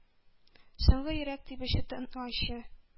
Соңгы йөрәк тибеше тынганчы